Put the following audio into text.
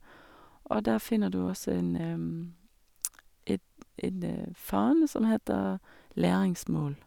Og der finner du også en et en fane som heter læringsmål.